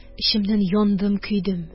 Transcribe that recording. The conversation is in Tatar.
Эчемнән яндым, көйдем..